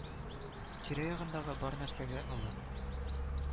Тирәягындагы бар нәрсәгә ылы